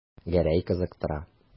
Гәрәй кызыктыра.